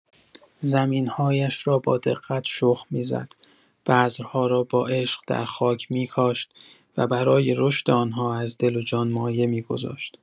زمین‌هایش را با دقت شخم می‌زد، بذرها را با عشق در خاک می‌کاشت و برای رشد آن‌ها از دل و جان مایه می‌گذاشت.